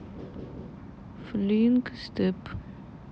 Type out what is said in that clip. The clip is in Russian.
flying steps